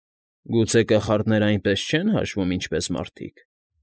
Գուցե կախարդները այնպես չե՞ն հաշվում, ինչպես մարդիկ։